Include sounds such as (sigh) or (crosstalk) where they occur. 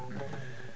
(hesitation) (hesitation)